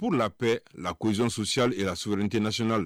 Pour la paix la cohésion sociale et la souveraineté nationale